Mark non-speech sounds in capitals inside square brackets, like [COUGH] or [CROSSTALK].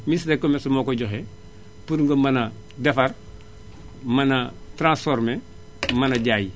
ministre des commerce moo koy joxe pour nga mën a defar mën a transformé [NOISE] mën a jaayi